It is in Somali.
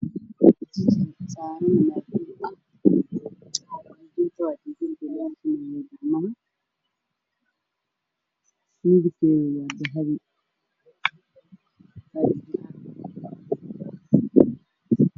Waxaa ii muuqdo katiin midabkiis yahay dahabi meesha uu yaallo waa madow